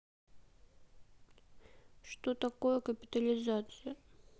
что такое капитализация